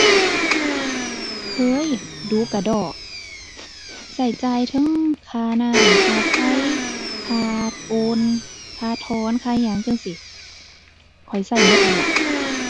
เคย ดู๋กะด้อ ใช้จ่ายเทิงค่าน้ำ ค่าไฟ ค่าโอน ค่าถอน ค่าหยังจั่งซี้ ข้อยใช้เบิดนั่นล่ะ